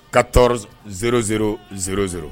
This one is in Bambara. Ka tɔɔrɔ0z0